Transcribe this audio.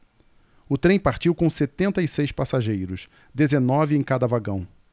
o trem partiu com setenta e seis passageiros dezenove em cada vagão